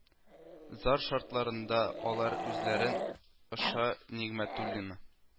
Зар шартларында алар үзләрен ышанигъмәтуллина